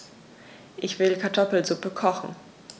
Ich will Kartoffelsuppe kochen.